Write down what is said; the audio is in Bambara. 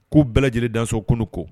Ko bɛɛji danso kunun ko